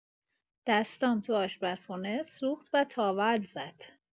دستام تو آشپزخونه سوخت و تاول زد.